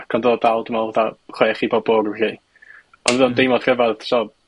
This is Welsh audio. ac yn dod dal dwi me'wl 'da chwech i bobol . Ond odd o'n deimlad fhyfadd, so